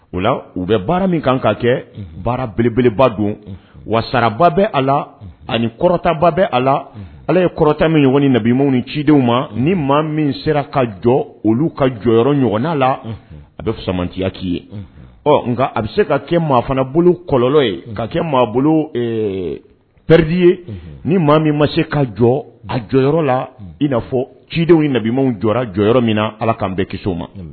O la u bɛ baara min kan ka kɛ baara belebeleba don wasaba bɛ a la ani kɔrɔtaba bɛ a la ala ye kɔrɔta min ɲɔgɔn ni nabiw cidenw ma ni maa min sera ka jɔ olu ka jɔyɔrɔ ɲɔgɔn la a bɛ samatiya' ye ɔ nka a bɛ se ka kɛ maa fana bolo kɔlɔnlɔ ye ka kɛ maa bolo pɛredi ye ni maa min ma se ka jɔ a jɔyɔrɔyɔrɔ la i'afɔ cidenw nabiw jɔ jɔyɔrɔ yɔrɔ min na ala k'an bɛ ki ma